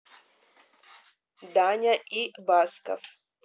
даня и басков